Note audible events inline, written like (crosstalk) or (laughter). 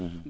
(hesitation) (hesitation)